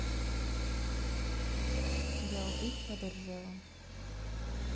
я убит подо ржевом